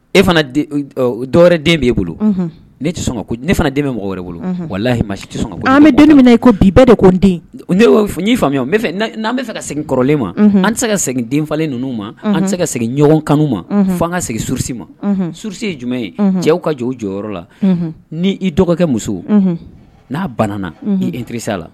E dɔwɛrɛ den b bɛ e bolo ne tɛ ne fana den bɛ mɔgɔ wɛrɛ bolo wa lahi ma tɛ sɔn ka bɔ an bɛ don min na e ko bi bɛɛ de ko n den ne f y'i faamuya o n'an bɛ fɛ ka segin kɔrɔlen ma an tɛ se ka segin den falenlen ninnuu ma an tɛ se ka segin ɲɔgɔn kanuu ma fo an ka segin surusi ma surusi jumɛn ye cɛw ka jo jɔyɔrɔ la n' i dɔgɔkɛ muso n'a banna i teri sa la